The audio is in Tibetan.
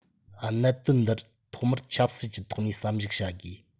གནད དོན འདིར ཐོག མར ཆབ སྲིད ཀྱི ཐོག ནས བསམ གཞིགས བྱ དགོས